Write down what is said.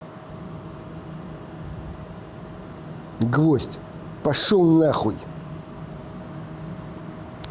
гвоздь пошел на хуй